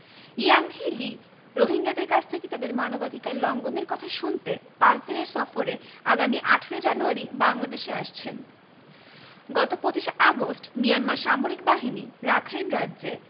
Yanghee Lee রোহিঙ্গাদের কাছ থেকে তাদের মানবাধিকার লঙ্ঘনের কথা শুনতে পাঁচ দিনের সফরে আগামী ১৮ জানুয়ারি বাংলাদেশে আসছেন গত ২৫ আগস্ট মিয়ানমার সামরিক বাহিনী রাখাইন রাজ্যে